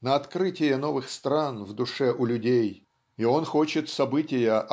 на открытия новых стран в душе у людей и он хочет события